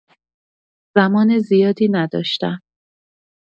زمان زیادی نداشتم.